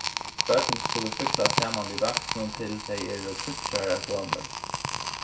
børn skulu súkkla saman við vaksnum til tey eru tíggju ára gomul